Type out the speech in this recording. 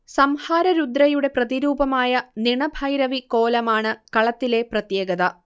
സംഹാര രുദ്രയുടെ പ്രതിരൂപമായ നിണഭൈരവി കോലമാണ് കളത്തിലെ പ്രത്യേകത